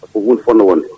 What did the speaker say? ko hunde fonnode wonde